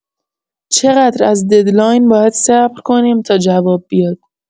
چقدر از ددلاین باید صبر کنیم تا جواب بیاد؟